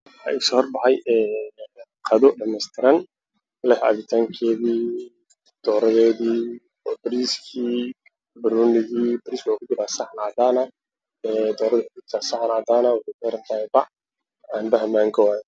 Waxaa iga soo harbaxay saxan ay ku jirto bariis iyo saxan ay ku jirto hilib iyo koob uu ku jiro biya cabitaan